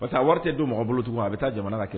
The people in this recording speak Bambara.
Parce wari tɛ don mɔgɔ bolo tugun a bɛ taa jamana kɛ